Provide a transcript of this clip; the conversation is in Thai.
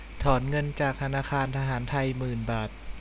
ถอนเงินจากธนาคารทหารไทยหมื่นบาท